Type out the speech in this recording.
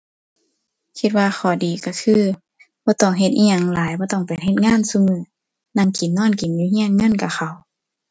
คิดว่าข้อดีก็คือบ่ต้องเฮ็ดอิหยังหลาย บ่ต้องไปเฮ็ดงานซุมื้อ นั่งกินนอนกินอยู่ก็ เงินก็เข้า